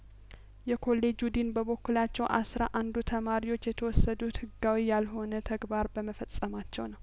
የኮሌጁ ዲን በበኩላቸው አስራ አንዱ ተማሪዎች የተወሰዱት ህጋዊ ያልሆነ ተግባር በመፈጸማቸው ነው